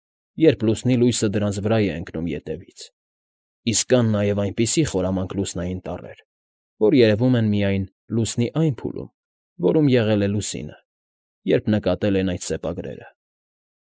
Երբ լուսնի լույսը դրանց վրա է ընկնում ետևից, իսկ կան այնպիսի խորամանկ լուսնային տառեր, որ երևում են միայն լուսնի այն փուլում, որում եղել է լուսինը, երբ նկարել են այդ սեպագրերը։